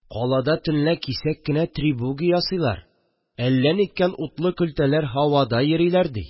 Калада төнлә кисәк кенә тригүбә ясыйлар, әллә ниткән утлы көлтәләр һавада йөриләр ди